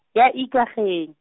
ya Ikageng.